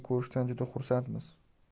ko'rishdan juda xursandmiz